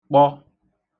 kpọ